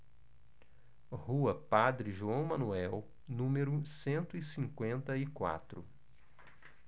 rua padre joão manuel número cento e cinquenta e quatro